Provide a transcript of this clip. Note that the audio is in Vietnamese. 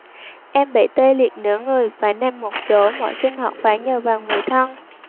em bị tê liệt nửa người phải nằm một chỗ mọi sinh hoạt phải nhờ vào người thân